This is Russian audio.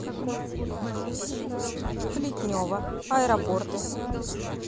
плетнева аэропорты